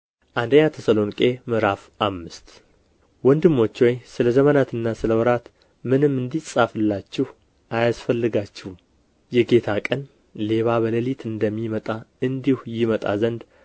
አንደኛ ተሰሎንቄ ምዕራፍ አምስት ወንድሞች ሆይ ስለ ዘመናትና ስለ ወራት ምንም እንዲጻፍላችሁ አያስፈልጋችሁም የጌታ ቀን ሌባ በሌሊት እንደሚመጣ እንዲሁ ይመጣ ዘንድ